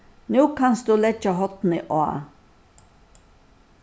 nú kanst tú leggja hornið á